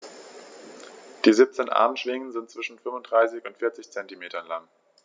Die 17 Armschwingen sind zwischen 35 und 40 cm lang.